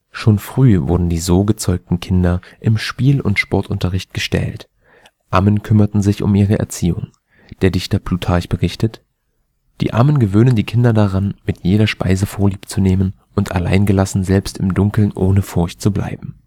Schon früh wurden die so gezeugten Kinder im Spiel und im Sportunterricht gestählt. Ammen kümmerten sich um ihre Erziehung. Der Dichter Plutarch berichtet: „ Die Ammen gewöhnten die Kinder daran, mit jeder Speise vorliebzunehmen und allein gelassen selbst im Dunkeln ohne Furcht zu bleiben